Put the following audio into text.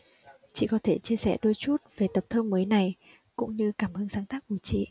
chị có thể chia sẻ đôi chút về tập thơ mới này cũng như cảm hứng sáng tác của chị